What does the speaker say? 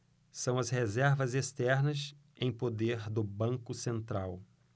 são as reservas externas em poder do banco central